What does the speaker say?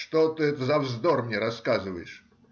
Что ты это за вздор мне рассказываешь?